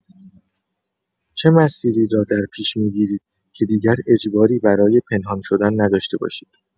چه مسیری را درپیش می‌گیرید که دیگر اجباری برای پنهان شدن نداشته باشید؟